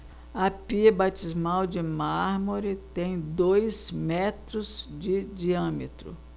a pia batismal de mármore tem dois metros de diâmetro